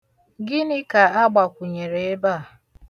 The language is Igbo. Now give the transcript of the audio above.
Gịnị ka agbakwunyere ebe a?